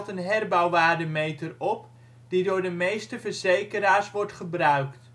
herbouwwaardemeter op, die door de meeste verzekeraars wordt gebruikt